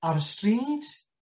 Ar y stryd?